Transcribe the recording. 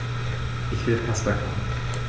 Ich will Pasta kochen.